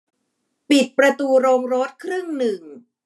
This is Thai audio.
ปิดประตูโรงรถครึ่งหนึ่ง